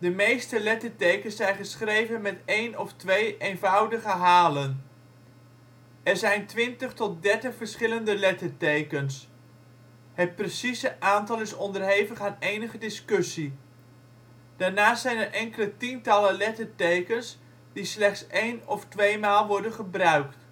meeste lettertekens zijn geschreven met een of twee eenvoudige halen. Er zijn twintig tot dertig verschillende lettertekens; het precieze aantal is onderhevig aan enige discussie. Daarnaast zijn er enkele tientallen lettertekens die slechts een - of tweemaal worden gebruikt